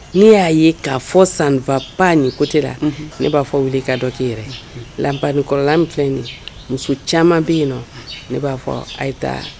Ne y'a ye k'a fɔ sanfa pan nin kotɛ la ne b'a fɔ weele k kaa dɔ' ii yɛrɛ labankɔrɔla filɛ nin muso caman bɛ yen nɔn ne b'a fɔ ayi taa